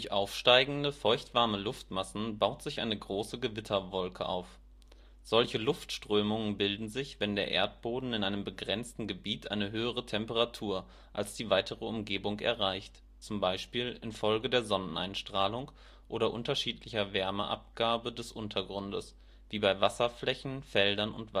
aufsteigende feuchtwarme Luftmassen baut sich eine große Gewitterwolke (auch Cumulonimbus genannt) auf. Solche Luftströmungen bilden sich, wenn der Erdboden in einem begrenzten Gebiet eine höhere Temperatur als die weitere Umgebung erreicht (z. B. infolge der Sonneneinstrahlung oder unterschiedlicher Wärmeabgabe des Untergrundes, wie bei Wasserflächen, Feldern